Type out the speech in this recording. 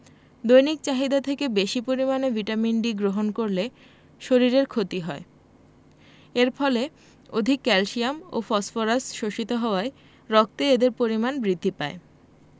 দৈনিক চাহিদা থেকে বেশী পরিমাণে ভিটামিন D গ্রহণ করলে শরীরের ক্ষতি হয় এর ফলে অধিক ক্যালসিয়াম ও ফসফরাস শোষিত হওয়ায় রক্তে এদের পরিমাণ বৃদ্ধি পায়